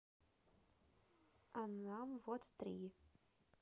а нам вот три